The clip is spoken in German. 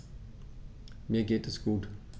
Mir geht es gut.